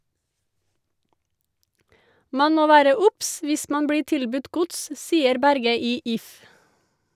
Man må være obs hvis man blir tilbudt gods, sier Berge i If.